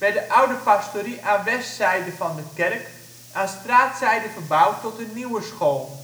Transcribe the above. de oude pastorie aan westzijde van de kerk aan straatzijde verbouwd tot een nieuwe school